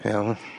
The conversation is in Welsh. Iawn.